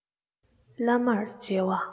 བླ མར མཇལ བ